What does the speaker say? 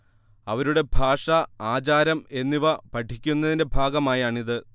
അവരുടെ ഭാഷ, ആചാരം എന്നിവ പഠിക്കുന്നതിന്റെ ഭാഗമായാണിത്